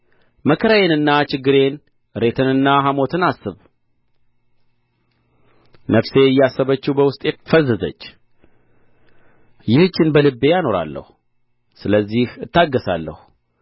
መከራዬንና ችግሬን እሬትንና ሐሞትን አስብ ነፍሴ እያሰበችው በውስጤ ፈዘዘች ይህችን በልቤ አኖራለሁ ስለዚህ እታገሣለሁ